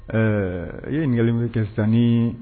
Ɛɛ i ye ɲininkali min kɛ sisan ni